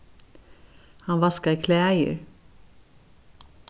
hann vaskaði klæðir